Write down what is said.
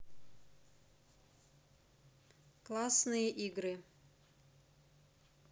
классные игры